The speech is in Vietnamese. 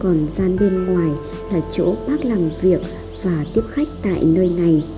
còn gian bên ngoài là chỗ bác làm việc và tiếp khách tại nơi này